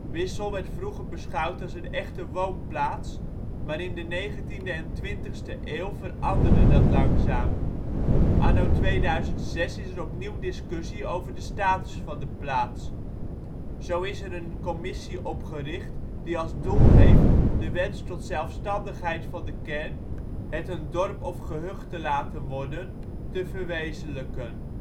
Wissel werd vroeger beschouwd als een echte woonplaats, maar in de negentiende en twintigste eeuw veranderde dat langzaam. Anno 2006 is er opnieuw discussie over de status van de plaats; zo is er een commissie opgericht die als doel heeft de wens tot zelfstandigheid van de kern, het een dorp of gehucht laten worden, te verwezenlijken